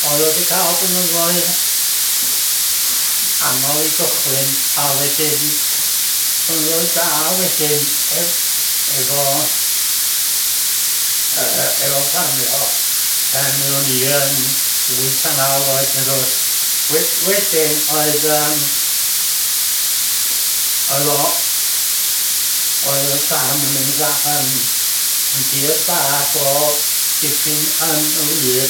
oedd o 'di ca'l blynyddoedd anodd i gychwyn a wedyn blynyddoedd da wedyn e- efo yy efo ffarmio pan oeddwn i yn wyth a naw oed mae'n siŵr we- wedyn oedd yym oedd o... oedd y ffarm yn un dda- yn yn dir dda ag o dipyn yn wlyb.